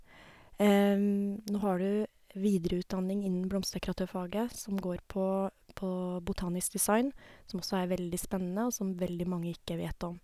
Nå har du videreutdanning innen blomsterdekoratørfaget som går på på botanisk design, som også er veldig spennende, og som veldig mange ikke vet om.